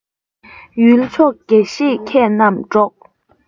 ཡུལ ཕྱོགས དགེ ཞེས མཁས རྣམས སྒྲོགས